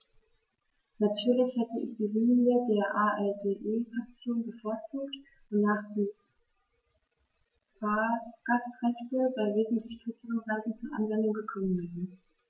Natürlich hätte ich die Linie der ALDE-Fraktion bevorzugt, wonach die Fahrgastrechte bei wesentlich kürzeren Reisen zur Anwendung gekommen wären.